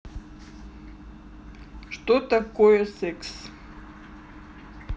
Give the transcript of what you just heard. что такое секс